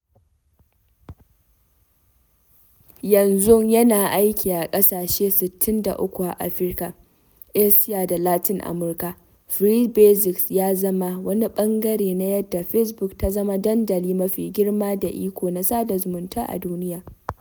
Yanzu yana aiki a ƙasashe 63 a Afrika, Asiya, da Latin Amurka, Free Basics ya zama wani ɓangare na yadda Facebook ta zama dandali mafi girma da iko na sada zumunta a duniya.